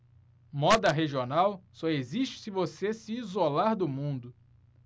moda regional só existe se você se isolar do mundo